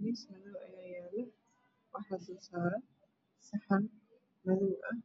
Mees madow ah ayaa yalo waxa dulsaran saxan madow ah